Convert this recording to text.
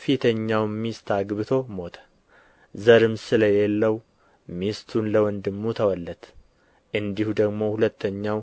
ፊተኛውም ሚስት አግብቶ ሞተ ዘርም ስለሌለው ሚስቱን ለወንድሙ ተወለት እንዲሁ ደግሞ ሁለተኛው